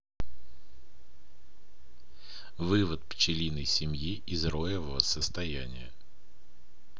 вывод пчелиной семьи из роевого состояния